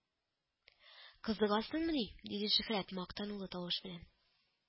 – кызыгасыңмыни? – диде шөһрәт мактанулы тавыш белән